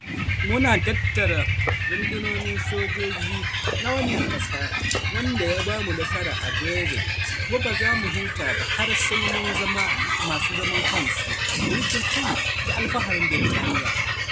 Mu na tattara rundunonin sojoji na wannan kasa wanda ya ba mu nasara a Brexit kuma ba za mu huta ba har sai mun zama masu zaman kansu, mulkin kai, da Alfaharin Britaniya.'